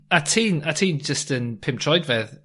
A ti'n a ti'n jyst yn pum troedfedd...